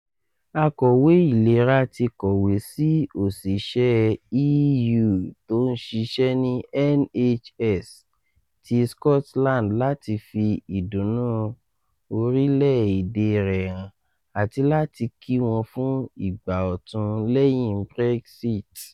Àkọ̀wé Ìlera ti kọ̀wé sí òṣìṣẹ́ EU tó ń ṣiṣẹ́ ní NHS ti Scotland láti fi ìdúnnú̀ orílẹ̀ èdè rẹ̀ hàn àti láti kí wọ́n fún ìgbà ọ̀tun lẹ́yìn Brexit.